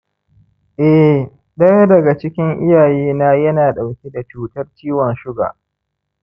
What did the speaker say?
eh, ɗaya daga cikin iyayena ya na ɗauke da cutar ciwon shuga